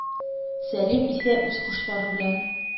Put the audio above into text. Сәлим исә үз кошлары белән